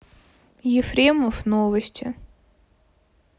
ефремов новости